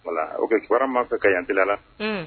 Voila ok kibaruya min b'an fɛ ka yan teliya la